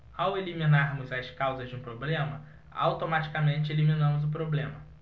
ao eliminarmos as causas de um problema automaticamente eliminamos o problema